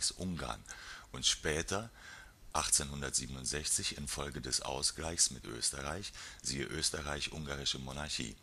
Ungarn (und später 1867 in Folge des Ausgleichs mit Österreich - siehe Österreich-Ungarische Monarchie